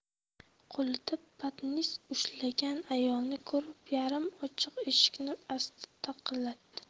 qo'lida patnis ushlagan ayolni ko'rib yarim ochiq eshikni asta taqillatdi